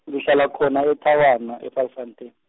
ngihlala khona eThabana e- Vasfontein.